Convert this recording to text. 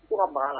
Ko banna la